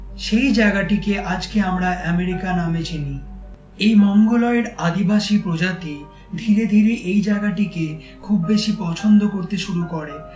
সেই জায়গাটি কে আজকে আমরা অ্যামেরিকা নামে চিনি এই মঙ্গলয়েড আদিবাসী প্রজাতি ধীরে ধীরে এই জায়গাটিকে খুব বেশি পছন্দ করতে শুরু করে